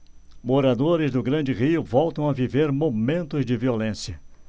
moradores do grande rio voltam a viver momentos de violência